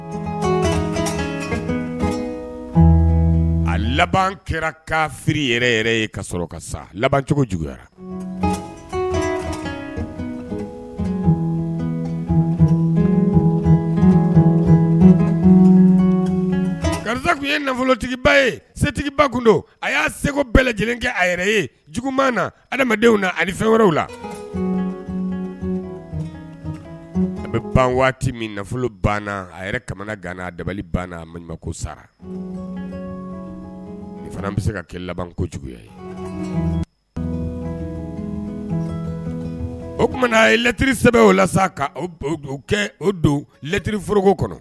A laban kɛra k'a feere yɛrɛ ka ka labancogo juguyara garisa tun ye nafolotigiba ye setigiba kun don a y'a segu bɛɛ lajɛlen kɛ a ye juguman na adama na ani fɛn wɛrɛw la an bɛ ban waati min nafolo a yɛrɛ kamana gan a dabali banna ko sara fana bɛ se ka kɛ labanko juguya ye oumana n'a yelɛt sɛbɛnbɛ la sa ka kɛ o donlɛtforoko kɔnɔ